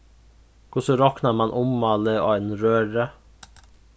hvussu roknar mann ummálið á einum røri